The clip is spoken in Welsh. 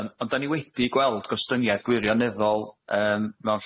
Yym ond 'dan ni wedi gweld gostyngiad gwirioneddol yym mewn